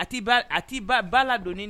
A ti ban ba ladon nin